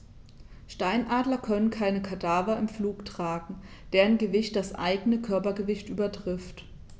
Steinadler können keine Kadaver im Flug tragen, deren Gewicht das eigene Körpergewicht übertrifft.